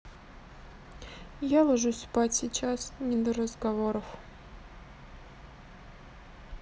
я ложусь спать сейчас не до разговоров